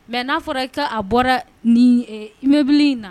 Mɛ n'a fɔra i ka a bɔra ni bɛbili in na